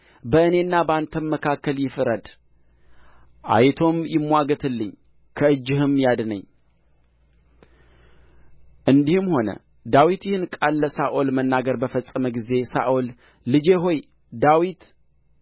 በእኔና በአንተም መካከል ይፍረድ አይቶም ይምዋገትልኝ ከእጅህም ያድነኝ እንዲህም ሆነ ዳዊት ይህን ቃል ለሳኦል መናገር በፈጸመ ጊዜ ሳኦል ልጄ ሆይ ዳዊት